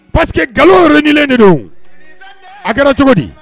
Parce nkalon yɛrɛ ɲininlen de don a kɛra cogo di